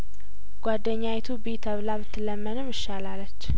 ጓደኛዪቱ ብዪ ተብላብት ለመንም እሺ አላለች